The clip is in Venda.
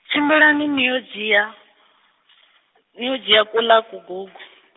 tshimbilani niyo dzhia, niyo dzhia kuḽa kugugu.